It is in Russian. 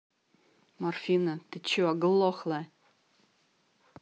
марфина ты что оглохла